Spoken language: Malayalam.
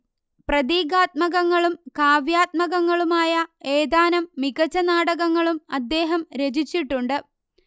പ്രതീകാത്മകങ്ങളും കാവ്യാത്മകങ്ങളുമായ ഏതാനും മികച്ച നാടകങ്ങളും അദ്ദേഹം രചിച്ചിട്ടുണ്ട്